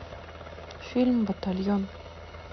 фильм батальон